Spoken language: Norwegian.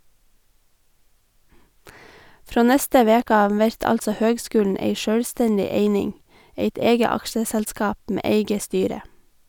Frå neste veke av vert altså høgskulen ei sjølvstendig eining, eit eige aksjeselskap med eige styre.